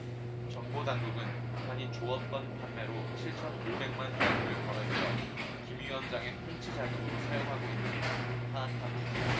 정보당국은 북한이 조업권 판매로 칠천 오백 만 달러를 벌어들여 김 위원장의 통치자금으로 사용하고 있는 것으로 파악하고 있다